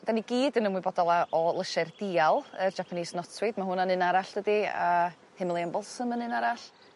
A 'dyn ni i gyd yn ymwybodol a o Lysiau'r Dial yr Japanese Notweed. Ma' hwnna'n un arall dydi a a Himalayan Balsam yn un arall.